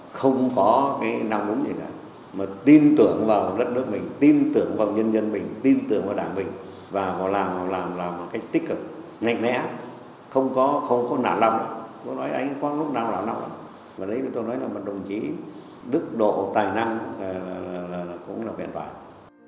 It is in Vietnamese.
không có cái nao núng gì cả mà tin tưởng vào đất nước mình tin tưởng vào nhân dân mình tin tưởng vào đảng mình và vào làm là làm làm một cách tích cực mạnh mẽ không có không có nản lòng không có nói anh ấy có lúc nào nản lòng và đấy chúng tôi nói rằng là một đồng chí đức độ tài năng là là cũng là vẹn toàn